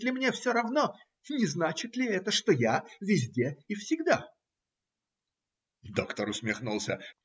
Если мне все равно, не значит ли это, что я везде и всегда? Доктор усмехнулся.